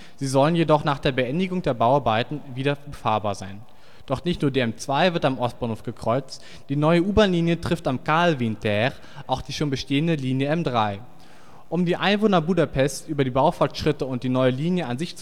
sollen jedoch nach der Beendigung der Bauarbeiten wieder befahrbar sein. Doch nicht nur die M2 wird am Ostbahnhof gekreuzt, die neue U-Bahnlinie trifft am Kálvin tér auch auf die schon bestehende Linie M3. Um die Einwohner Budapests über die Baufortschritte und die neue Linie an sich